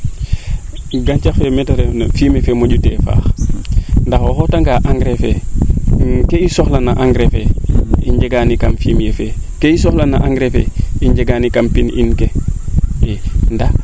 gancax le mete refna fumier fee moƴu tee faax nda o xota ngaa engrais wee kee i soxla na no engrais fee i njegani kam fumier fee ke i soxla na engrais fee i njegano kam pin in kee i